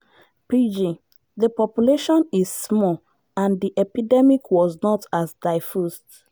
PG: The population is small and the epidemic was not as diffused.